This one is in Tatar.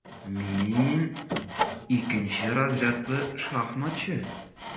Мин - икенче разрядлы шахматчы.